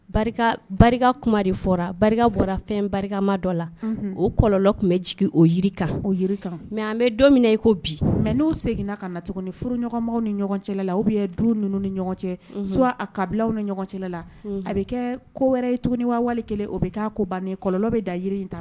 Barika kuma de fɔra barika bɔra fɛn barikama dɔ la o kɔlɔ tun bɛ jigin o yirika o mɛ an bɛ don min e ko bi mɛ n'o seginna ka na tuguni ni furu ɲɔgɔnmɔgɔ ni ɲɔgɔn cɛ la u bɛ du ninnu ni ɲɔgɔn cɛ su a kabila ni ɲɔgɔn cɛla la a bɛ kɛ ko wɛrɛ i tuguni waawale kelen o bɛ' ko ban ni kɔlɔ bɛ da yiri in ta